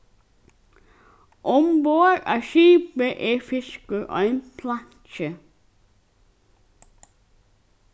umborð á skipi er fiskur ein planki